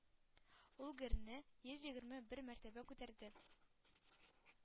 Ул герне йөз егерме бер мәртәбә күтәрде.